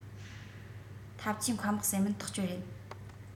འཐབ ཇུས མཁའ དམག ཟེར མིན ཐག ཆོད རེད